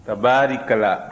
tabaarikala